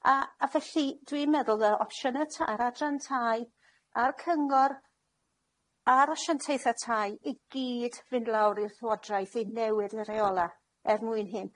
A- a felly dwi'n meddwl ddyle'r opsiyne ta- yr adran tai, a'r cyngor, a'r asiantaethau tai i gyd fynd lawr i'r llywodraeth i newid y reola' er mwyn hyn.